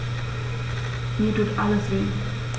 Mir tut alles weh.